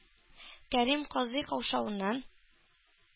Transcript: Кәрим казый каушавыннан